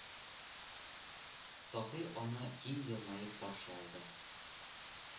Таһир аны киң елмаеп каршы алды: